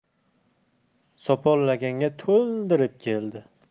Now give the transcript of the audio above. sopol laganga to'ldirib keldi